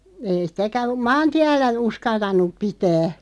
ei sitäkään maantiellä uskaltanut pitää